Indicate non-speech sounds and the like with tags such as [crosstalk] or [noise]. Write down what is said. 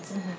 [hesitation] [hesitation]